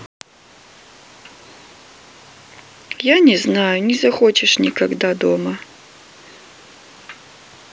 я не знаю не захочешь никогда дома